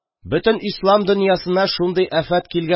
Бөтен ислам донъясына шундый афат килгән